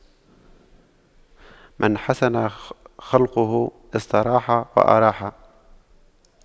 من حسن خُلُقُه استراح وأراح